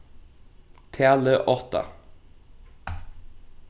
talið átta